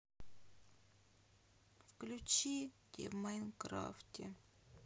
включи где в майнкрафте